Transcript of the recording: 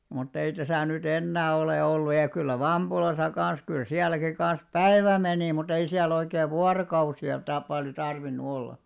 mutta ei tässä nyt enää ole ollut ja kyllä Vampulassa kanssa kyllä sielläkin kanssa päivä meni mutta ei siellä oikein vuorokausia - paljon tarvinnut olla